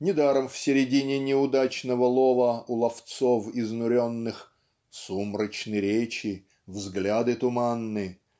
Недаром в средине неудачного лова у ловцов изнуренных "сумрачны речи взгляды туманны.